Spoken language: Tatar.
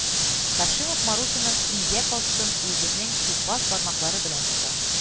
Һашимов Марусяның ияк астын үзенең тупас бармаклары белән тота